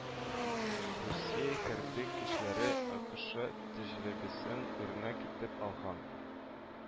Русия хәрби көчләре АКэШэ тәҗрибәсен үрнәк итеп алган